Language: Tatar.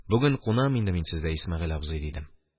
Бүген кунам инде мин сездә, Исмәгыйль абзый, – дидем.